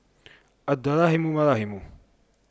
الدراهم مراهم